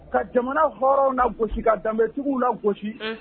Ka jamana hɔrɔnw la gosi ka danbetigiww la gosi